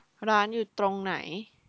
ร้านอยู่ตรงไหน